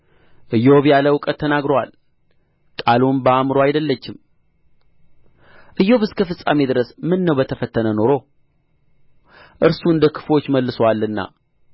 ኢዮብ ያለ እውቀት ተናግሮአል ቃሉም በአእምሮ አይደለችም ኢዮብ እስከ ፍጻሜ ድረስ ምነው በተፈተነ ኖሮ እርሱ እንደ ክፉዎች መልሶአልና